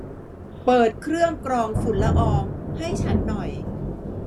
เปิดเครื่องกรองฝุ่นละอองให้ฉันหน่อย